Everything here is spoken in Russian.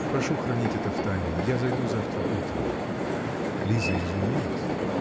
-- Прошу хранить это в тайне, я зайду завтра утром. Лиза изумилась.